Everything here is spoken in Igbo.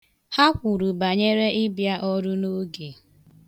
Ha kwuru banyere ịbịa ọrụ n'oge.